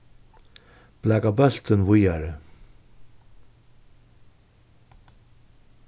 blaka bóltin víðari